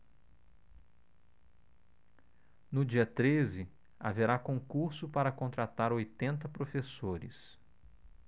no dia treze haverá concurso para contratar oitenta professores